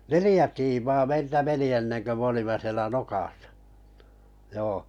neljä tiimaa meiltä meni ennen kuin me olimme siellä nokassa joo